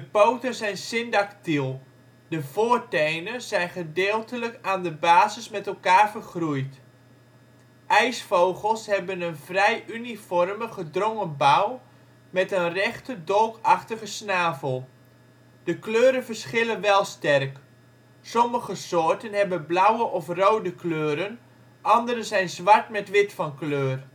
poten zijn syndactiel; de voortenen zijn gedeeltelijk aan de basis met elkaar vergroeid. IJsvogels hebben een vrij uniforme, gedrongen bouw met een rechte, dolkachtige snavel. De kleuren verschillen wel sterk, sommige soorten hebben blauwe of rode kleuren, andere zijn zwart met wit van kleur